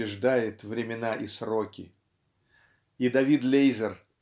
побеждает времена и сроки. И Давид Лейзер